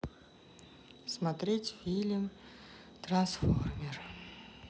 смотреть фильм трансформер